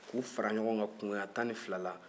k'u fara ɲɔgɔn kan kunkan ɲɛ tan ni fila